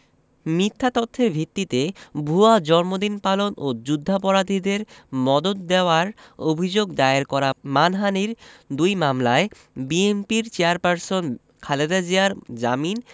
মিথ্যা তথ্যের ভিত্তিতে ভুয়া জন্মদিন পালন ও যুদ্ধাপরাধীদের মদদ দেওয়ার অভিযোগ দায়ের করা মানহানির দুই মামলায় বিএনপির চেয়ারপারসন খালেদা জিয়ার জামিন